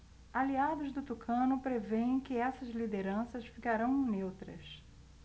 aliados do tucano prevêem que essas lideranças ficarão neutras